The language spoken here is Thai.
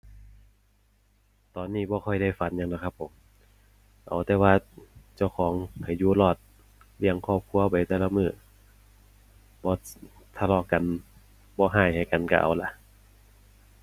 ตอนนี้บ่ค่อยได้ฝันหยังดอกครับผม เอาแต่ว่าเจ้าของให้อยู่รอด เลี้ยงครอบครัวไปแต่ละมื้อ บ่ทะเลาะกัน บ่ร้ายให้กันร้ายเอาล่ะ